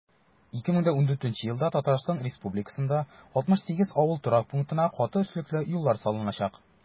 2014 елда татарстан республикасында 68 авыл торак пунктына каты өслекле юллар салыначак.